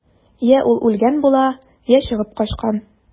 Йә ул үлгән була, йә чыгып качкан.